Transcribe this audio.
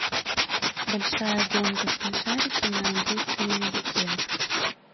большая гонка смешарики на английском языке